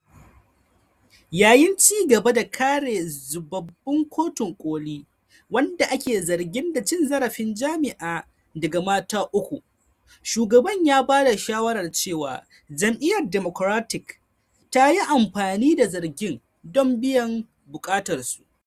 Yayin ci gaba da kare zababbun Kotun Koli, wanda ake zargi da cin zarafin jima’i daga mata uku, shugaban ya bada shawarar cewa jam'iyyar Democrat ta yi amfani da zargin don biyan bukatar su.